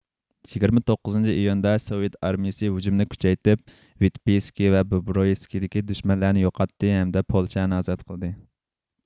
يىگىرمە توققۇزىنچى ئىيۇندا سوۋېت ئارمىيىسى ھۇجۇمنى كۈچەيتىپ ۋىتېبسكى ۋە بۇبرۇيسكدىكى دۈشمەنلەرنى يوقاتتى ھەمدە پورشانى ئازاد قىلدى